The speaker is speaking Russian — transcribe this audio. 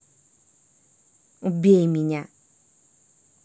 убей меня